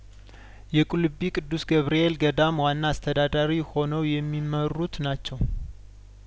የቁልቢ ቅዱስ ገብርኤል ገዳም ዋና አስተዳዳሪ ሆነው የሚመሩት ናቸው